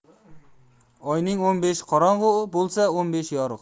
oyning o'n beshi qorong'u bo'lsa o'n beshi yorug'